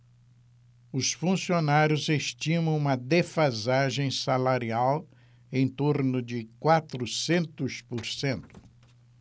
os funcionários estimam uma defasagem salarial em torno de quatrocentos por cento